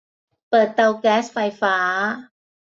เปิดเตาแก๊สไฟฟ้า